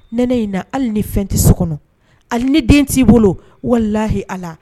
Nɛnɛ in na hali ni fɛn tɛ so kɔnɔ hali ni den t'i bolo walahi ala